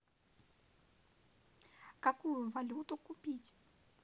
какую валюту купить